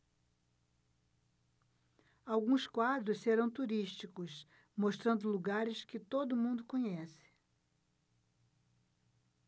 alguns quadros serão turísticos mostrando lugares que todo mundo conhece